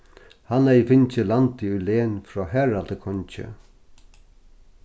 hann hevði fingið landið í len frá haraldi kongi